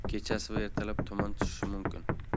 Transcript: kechasi va ertalab tuman tushishi mumkin